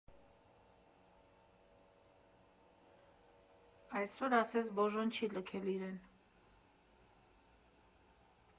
Այսօր ասես Բոժոն չի լքել իրեն.